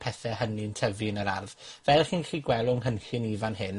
pethe hynny'n tyfu yn yr ardd. Fel 'ych chi'n gallu gwel' o'n nghynllun i fan hyn,